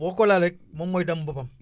boo ko laalee moom mooy damm boppam